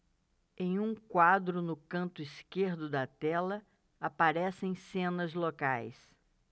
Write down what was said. em um quadro no canto esquerdo da tela aparecem cenas locais